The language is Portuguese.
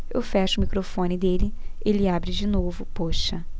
eu fecho o microfone dele ele abre de novo poxa